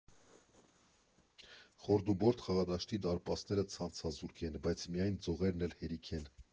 Խորդուբորդ խաղադաշտի դարպասները ցանցազուրկ են, բայց միայն ձողերն էլ հերիք են։